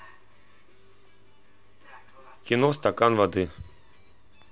кино стакан воды